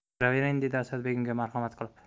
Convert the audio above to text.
kiravering dedi asadbek unga marhamat qilib